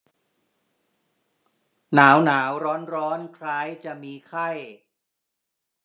หนาวหนาวร้อนร้อนคล้ายจะมีไข้